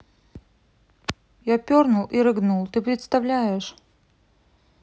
я пернул и рыгнул ты представляешь